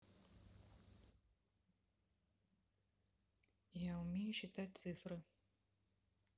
я умею считать цифры